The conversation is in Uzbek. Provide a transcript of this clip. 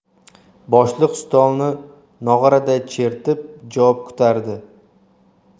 boshliq stolni nog'oraday chertib javob kutardi